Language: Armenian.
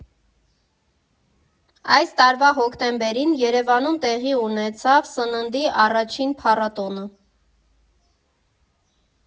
Այս տարվա հոկտեմբերին Երևանում տեղի ունեցավ սննդի առաջին փառատոնը։